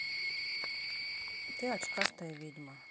ты очкастая ведьма